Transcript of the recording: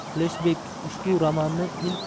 fleshbek ushbu romanni ilk